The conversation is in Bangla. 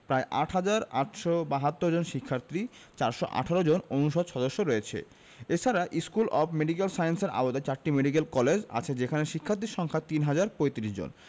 প্রায় ৮ হাজার ৮৭২ জন শিক্ষার্থী ৪১৮ জন অনুষদ সদস্য রয়েছে এছাড়া স্কুল অব মেডিক্যাল সায়েন্সের আওতায় চারটি মেডিক্যাল কলেজ আছে যেখানে শিক্ষার্থীর সংখ্যা ৩ হাজার ৩৫ জন